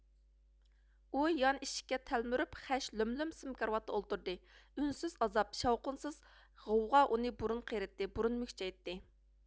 ئۇ يان ئىشىككە تەلمۈرۈپ خەش لۆم لۆم سىم كارىۋاتتا ئولتۇردى ئۈنسىز ئازاب شاۋقۇنسىز غوۋغا ئۇنى بۇرۇن قېرىتتى بۇرۇن مۈكچەيتتى